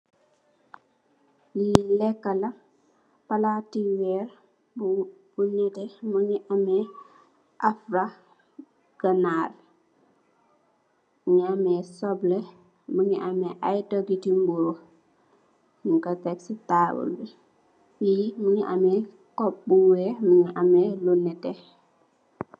Li lekah la, palati weer bu neteh mungi ame afra ganar. Mungi ame sopleh, mungi ame ay dogiti mboro nyung ku tek ci tabul bi. Fi mungi ame xhop bu weex ak bu neteh.